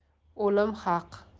o'lim haq